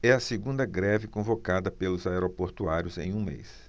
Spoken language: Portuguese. é a segunda greve convocada pelos aeroportuários em um mês